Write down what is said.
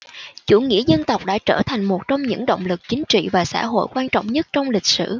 chủ nghĩa dân tộc đã trở thành một trong những động lực chính trị và xã hội quan trọng nhất trong lịch sử